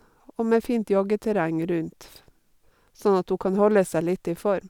Og med fint joggeterreng rundt f, sånn at hun kan holde seg litt i form.